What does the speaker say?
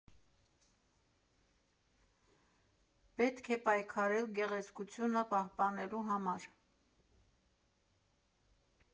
«Պետք է պայքարել գեղեցկությունը պահպանելու համար։